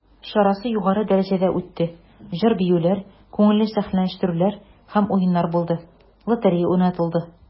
Чарасы югары дәрәҗәдә үтте, җыр-биюләр, күңелле сәхнәләштерүләр һәм уеннар булды, лотерея уйнатылды.